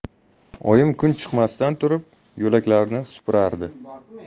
oyim kun chiqmasdan turib yo'lkalarni supurardi